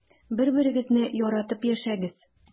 Бер-берегезне яратып яшәгез.